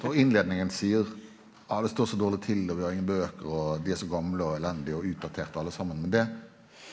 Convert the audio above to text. og innleiinga seier at det står så dårleg til og vi har ingen bøker og dei er som gamle og elendige og utdaterte alle saman men det.